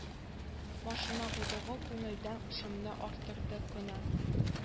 Машина гудогы күңелдән шомны арттырды кына